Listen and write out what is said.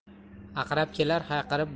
aqrab kelar hayqirib